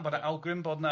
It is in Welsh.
a bod yna awgrym bod yna